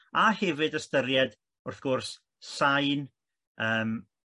a hefyd ystyried wrth gwrs sain yym